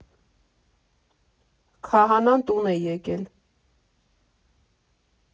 Քահանան տուն է եկել։